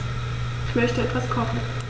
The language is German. Ich möchte etwas kochen.